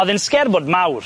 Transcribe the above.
Odd e'n sgerbwd mawr.